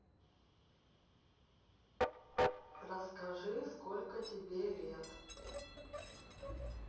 расскажи сколько тебе лет